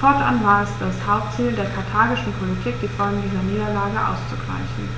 fortan war es das Hauptziel der karthagischen Politik, die Folgen dieser Niederlage auszugleichen.